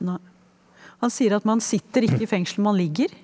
nei, han sier at man sitter ikke i fengsel, man ligger?